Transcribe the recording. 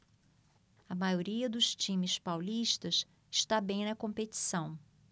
a maioria dos times paulistas está bem na competição